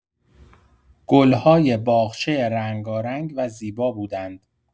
گل‌های باغچه رنگارنگ و زیبا بودند.